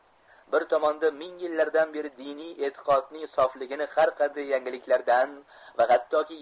bir tomonda ming yillardan beri diniy e'tiqodning sofligini har qanday yangiliklardan va hattoki